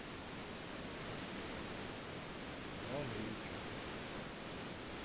кино на ютубе